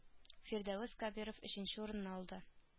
Фирдәвес кәбиров өченче урынны алды